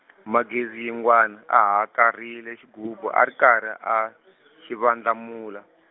Magezi Yingwani a hakarhile xigubu a ri karhi a, xi vandlamula.